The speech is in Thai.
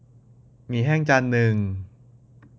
หมี่แห้งจานนึง